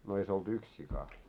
no ei se ollut yksi sika